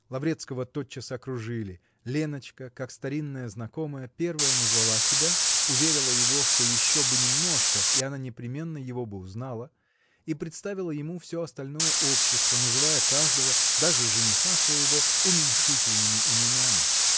Лаврецкого тотчас окружили: Леночка, как старинная знакомая, первая назвала себя, уверила его, что еще бы немножко -- и она непременно его бы узнала, и представила ему все остальное общество, называя каждого, даже жениха своего, уменьшительными именами.